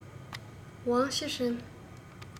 ཝང ཆི ཧྲན